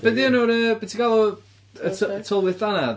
Be 'di enw'r, yy, beth ti'n galw y t-... Tylwyth teg? ...y tylwyth dannedd?